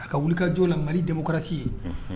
A ka wilika jɔ la Mali democratie ;Unhun.